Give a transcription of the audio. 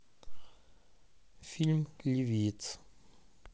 фильм ливиец